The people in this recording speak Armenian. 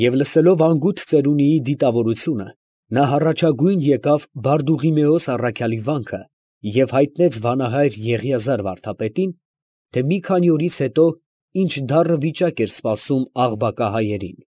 Եվ լսելով անգութ ծերունիի դիտավորությունը, նա հառաջագույն եկավ Բարդուղիմեոս առաքյալի վանքը և հայտնեց վանահայր Եղիազար վարդապետին, թե մի քանի օրից հետո ի՜նչ դառն վիճակ էր սպասում Աղբակա հայերին։